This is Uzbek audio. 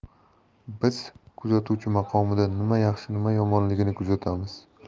biz kuzatuvchi maqomida nima yaxshi nima yomonligini kuzatamiz